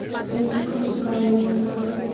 музыка музыкальные каналы